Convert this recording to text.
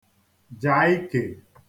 ja ikè